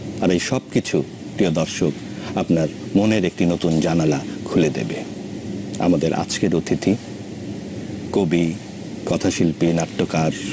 আর এ সব কিছু প্রিয় দর্শক মনের একটি নতুন জানালা খুলে দেবে আমাদের আজকের অতিথী কবি-কথাশিল্পী নাট্যকার